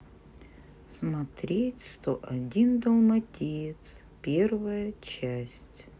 смотреть сто один далматинец первая часть